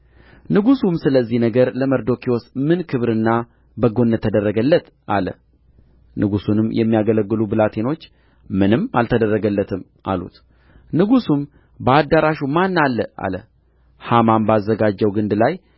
ንጉሡም ስለዚህ ነገር ለመርዶክዮስ ምን ክብርና በጎነት ተደረገለት አለ ንጉሡንም የሚያገለግሉ ብላቴኖች ምንም አልተደረገለትም አሉት ንጉሡም በአዳራሹ ማን አለ አለ ሐማም ባዘጋጀው ግንድ ላይ